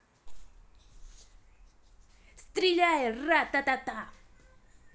стреляй рататата